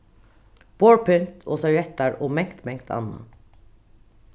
borðpynt og serviettar og mangt mangt annað